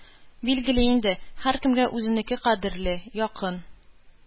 Билгеле инде, һәркемгә үзенеке кадерле, якын.